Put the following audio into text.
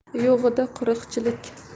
yo'g'ida quruqchilik